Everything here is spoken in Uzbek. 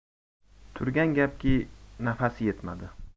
turgan gapki nafasi yetmadi